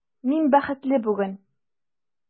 Мин бәхетле бүген!